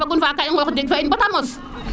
fagun faak ga i qox jek fa in bata mos